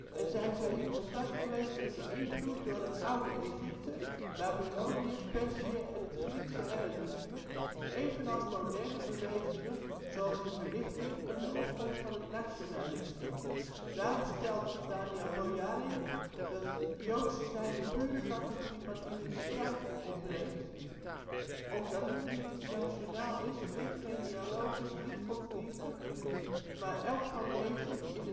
en zijn zij in contact geweest en beïnvloed door het Oude Egypte, Babylonië, Perzië, het Griekse hellenisme, evenals moderne bewegingen zoals de Verlichting en de opkomst van het nationalisme. Daarom stelt Daniel Boyarin dat " Joods zijn de pure categorieën van identiteit doorbreekt, omdat het niet nationaal is, niet genealogisch, niet godsdienstig, maar elk van deze, in